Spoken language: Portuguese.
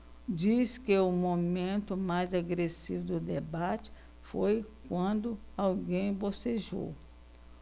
diz que o momento mais agressivo do debate foi quando alguém bocejou